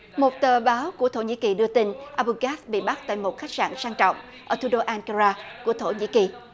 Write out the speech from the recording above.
một tờ báo của thổ nhĩ kỳ đưa tin a bu gát bị bắt tại một khách sạn sang trọng ở thủ đô an ca ra của thổ nhĩ kỳ